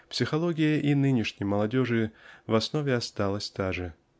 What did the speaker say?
психология и нынешней молодежи в основе осталась та же.